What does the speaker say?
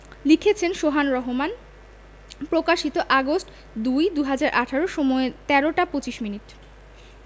লিখেছেনঃ শোহান রাহমান প্রকাশিতঃ আগস্ট ০২ ২০১৮ সময়ঃ ১৩টা ২৫ মিনিট